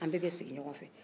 an bɛɛ bɛ sigi ɲɔgɔn fɛ